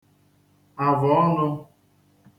àvọ̀ọnụ̄